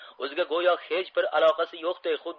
o'ziga go'yo hech bir aloqasi yo'qday